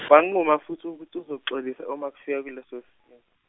wanquma futhi ukuthi uzoxolisa uma kufika kuleso si-.